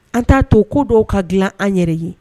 An t'a to ko dɔw ka dilan an yɛrɛ ye